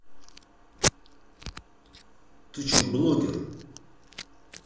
ты че блогер